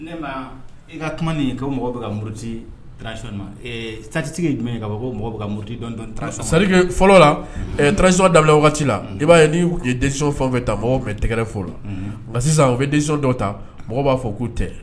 Ne ma i ka kuma nin ye ko mɔgɔ bɛ ka muriti transition in ma. Ee statistique ye jumɛn ka fɔ ko mɔgɔw bɛ ka muriti dɔɔnni dɔɔnni transition ma. C'est à dire que fɔlɔ la; Unhun ;ɛɛ transition daminɛ waati la, i b'a ye n'u tun ye décision fɛn o fɛn ta mɔgɔw tun bɛ tigɛrɛ fɔ o la.;Unhun ;Nka sisan ɔ bɛ decision dɔw ta, mɔgɔw b'a fɔ k'u tɛ.